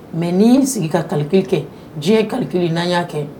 Mɛ n'i'i sigi ka kaliki kɛ diɲɛ kaliki ni naani kɛ